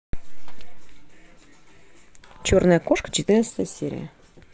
черная кошка четырнадцатая серия